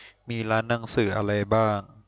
มีร้านหนังสืออะไรบ้าง